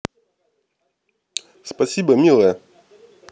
спасибо милая